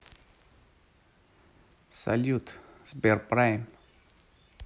салют сбер прайм